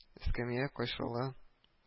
Эскәмия кайшала